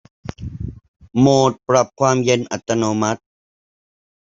โหมดปรับความเย็นอัตโนมัติ